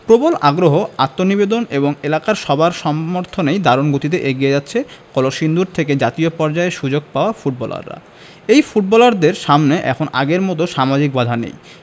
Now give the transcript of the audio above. প্রবল আগ্রহ আত্মনিবেদন এবং এলাকার সবার সমর্থনে দারুণ গতিতে এগিয়ে যাচ্ছে কলসিন্দুর থেকে জাতীয় পর্যায়ে সুযোগ পাওয়া ফুটবলাররা এই ফুটবলারদের সামনে এখন আগের মতো সামাজিক বাধা নেই